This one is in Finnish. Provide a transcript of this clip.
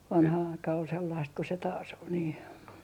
vanha aika oli sellaista kuin se taas oli niin